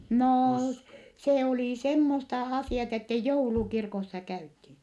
no se oli semmoista asiat että joulukirkossa käytiin